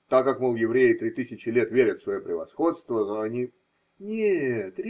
Так как, мол, евреи три тысячи лет верят в свое превосходство, то они. – Нет.